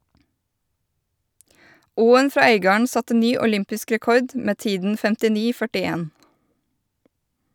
Oen fra Øygarden satte ny olympisk rekord med tiden 59,41.